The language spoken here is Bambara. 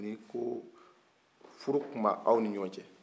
ani ko furu tun bɛ aw ni ɲɔgɔn cɛ